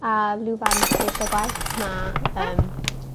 A lwfans ceisio gwaith ma' yym